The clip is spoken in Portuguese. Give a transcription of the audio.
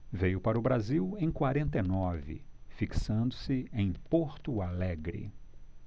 veio para o brasil em quarenta e nove fixando-se em porto alegre